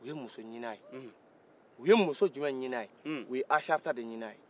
u ye muso ɲinin a ye u ye mouso jumɛn ɲinin a ye u ye asarita de ɲinin a ye